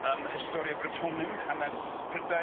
Yym historia Brittonum, hanes Prydain.